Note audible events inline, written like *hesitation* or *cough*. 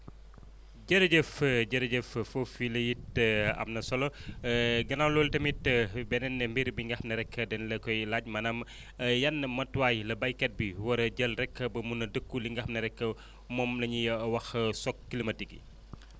*noise* jërëjëf jërëjëf foofule it *hesitation* am na solo *breath* *hesitation* gannaaw loolu tamit *hesitation* beneen mbir bi nga xam ne rek dañ la koy laaj maanaam *breath* yan matuwaay la béykat bi war a jël rek ba mun a dëkku li nga xam ne rek *breath* moom la ñuy *hesitation* wax choc climatiques yi